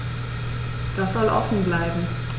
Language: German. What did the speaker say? Das soll offen bleiben.